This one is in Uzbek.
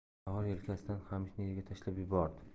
tohir yelkasidan qamishni yerga tashlab yubordi